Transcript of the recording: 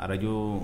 Arajo